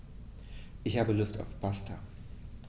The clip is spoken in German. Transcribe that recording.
Ich habe Lust auf Pasta.